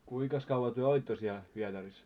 kuinkas kauan te olitte siellä Pietarissa